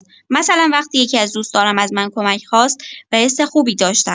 مثلا وقتی یکی‌از دوستانم از من کمک خواست و حس خوبی داشتم.